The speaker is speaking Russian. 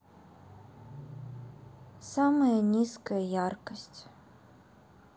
самая низкая яркость